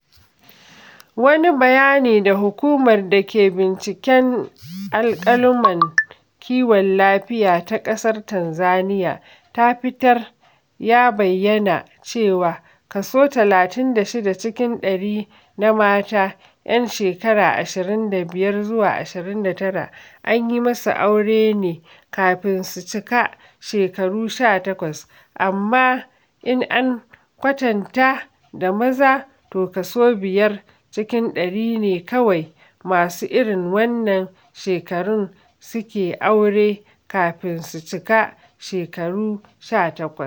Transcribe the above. Wani bayani da Hukumar da ke Binciken Alƙaluman Kiwon Lafiya ta ƙasar Tanzaniya ta fitar ya bayyana cewa kaso 36 cikin ɗari na mata 'yan shekara 25 zuwa 29 an yi musu aure ne kafin su cika shekaru 18, amma in an kwatanta da maza to kaso 5 cikin ɗari ne kawai masu irn wannan shekarun suke aure kafin su cika shekaru sha 18.